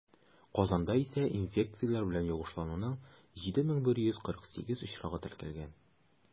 Казанда исә инфекцияләр белән йогышлануның 7148 очрагы теркәлгән.